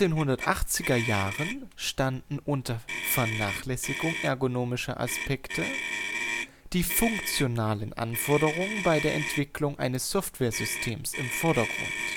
1980er Jahren standen, unter Vernachlässigung ergonomischer Aspekte, die funktionalen Anforderungen bei der Entwicklung eines Software-Systems im Vordergrund